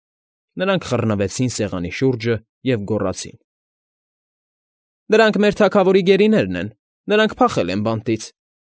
Նրանք խռնվեցին սեղանի շուրջը և գոռացին. ֊ Դրանք մեր թագավորի գերիներն են, նրանք փախել են բանտից։